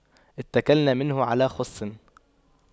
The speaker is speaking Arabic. اتَّكَلْنا منه على خُصٍّ